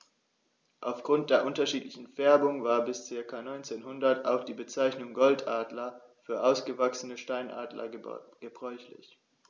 Auf Grund der unterschiedlichen Färbung war bis ca. 1900 auch die Bezeichnung Goldadler für ausgewachsene Steinadler gebräuchlich.